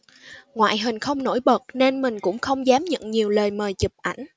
ngoại hình không nổi bật nên mình cũng không dám nhận nhiều lời mời chụp ảnh